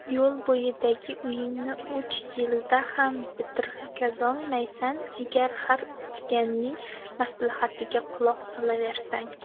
yo'l bo'yidagi uyni uch yilda ham bitkazolmaysan agar har o'tganning maslahatiga quloq solaversang